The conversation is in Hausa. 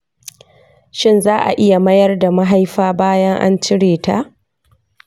shin za a iya mayar da mahaifa bayan an cire ta?